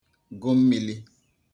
gụ mmīlī